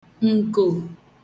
ǹkọ̀